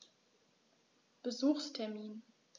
Besuchstermin